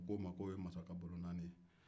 a k'o ma ko o ye masa ka bolo naani ye